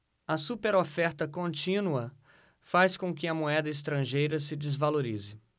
a superoferta contínua faz com que a moeda estrangeira se desvalorize